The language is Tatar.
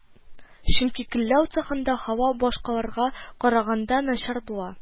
Чөнки көлләү цехында һава башкаларга караганда начар була